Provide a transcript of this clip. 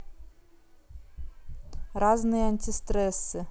разные антистрессы